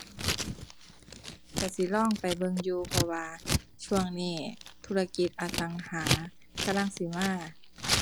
กะสิลองไปเบิ่งอยู่ เพราะว่าช่วงนี้ธุรกิจอสังหากำลังสิมา